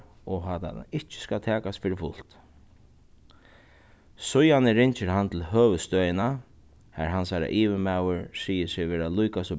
ikki skal takast fyri fult síðani ringir hann til høvuðsstøðina har hansara yvirmaður sigur seg vera líka so